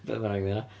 Be bynnag 'di hynna.